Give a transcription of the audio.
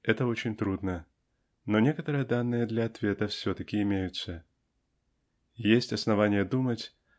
Это очень трудно, но некоторые данные для ответа все-таки имеются. Есть основание думать